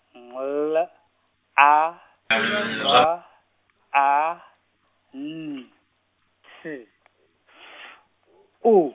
ngu L, A, B, A, N, T , F , U.